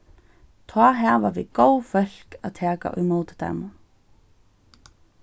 tá hava vit góð fólk at taka ímóti teimum